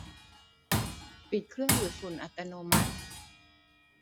ปิดเครื่องดูดฝุ่นอัตโนมัติ